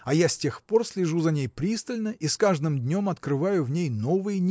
а я с тех пор слежу за ней пристально и с каждым днем открываю в ней новые